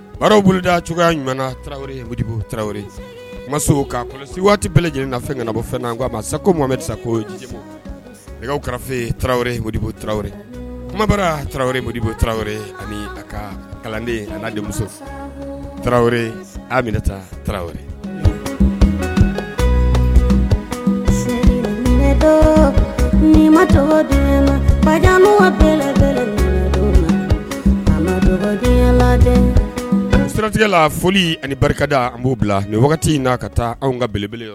Barow boloda cogoya ɲuman tarawelebubo tarawele kɔlɔsi waati bɛɛ ɲini na fɛn kana bɔ fɛnna a sa ko mamame sa ko kɛrɛfɛ tarawelebo tarawele kumabara tarawele mobubo tarawele a ka kalanden a muso t a minɛta tarawele sirajɛ la foli ani barika da an b'u bila nka wagati in naa ka taa anw kaeleb yɔrɔ